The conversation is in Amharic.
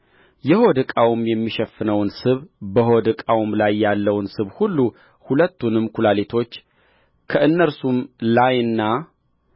የሆድ ዕቃውን የሚሸፍነውን ስብ በሆድ ዕቃውም ላይ ያለውን ስብ ሁሉሁለቱንም ኵላሊቶች በእነርሱም ላይና